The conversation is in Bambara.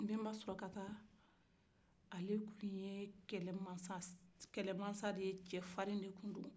ale tun ye kɛlɛ mansa ye cɛ farin de tun don